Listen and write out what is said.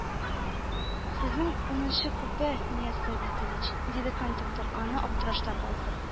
Сезнең унынчы купе, Нияз Сабитович, диде кондуктор, аны аптырашта калдырып.